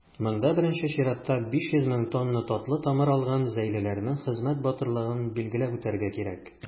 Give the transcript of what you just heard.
Монда, беренче чиратта, 500 мең тонна татлы тамыр алган зәйлеләрнең хезмәт батырлыгын билгеләп үтәргә кирәк.